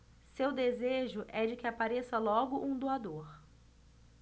seu desejo é de que apareça logo um doador